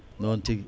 noon tigui